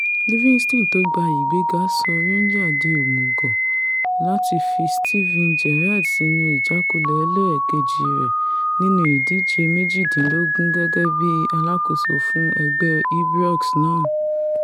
Livingston tó gba ìgbéga sọ Ranger di òmùgọ̀ láti fi Steven Gerrard sínù ìjákulẹ̀ ẹlẹ́ẹ̀keji rẹ nínú ìdíje méjìdínlógún gẹ́gẹ́ bí alákosó fún ẹgbẹ́ Ibrox náà.